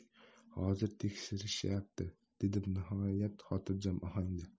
hozir tekshirishyapti dedim nihoyatda xotirjam ohangda